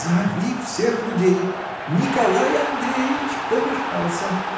— Зови всех людей: Николай Андреич помешался!